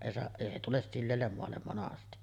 ei se ei se tule sileälle maalle monesti